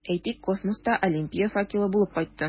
Әйтик, космоста Олимпия факелы булып кайтты.